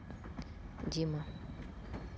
дима